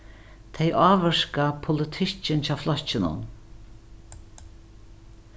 tey ávirka politikkin hjá flokkinum